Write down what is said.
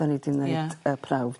'dan ni 'di neud... Ie. ...y prawf